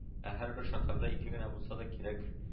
Ә һәрбер шәһәрдә ике генә булса да кирәк